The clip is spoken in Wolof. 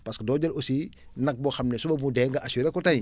parce que doo jël aussi nag boo xam ne suba mu dee nga assuré ko tey